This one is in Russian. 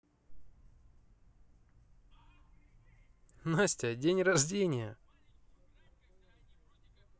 настя день рождения